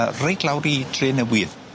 Yy reit lawr i Drenewydd.